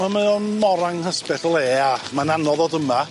Wel mae o mor anghysbell o le a ma'n anodd dod yma.